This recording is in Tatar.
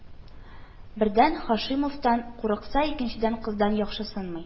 Бердән, Һаши-мовтан курыкса, икенчедән, кыздан яхшысынмый